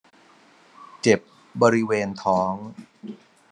เจ็บบริเวณท้อง